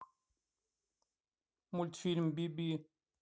мультфильм биби